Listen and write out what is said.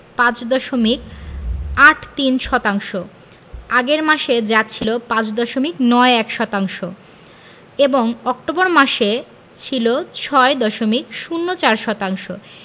৫ দশমিক ৮৩ শতাংশ আগের মাসে যা ছিল ৫ দশমিক ৯১ শতাংশ এবং অক্টোবর মাসে ছিল ৬ দশমিক ০৪ শতাংশ